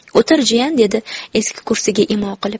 o'tir jiyan dedi eski kursiga imo qilib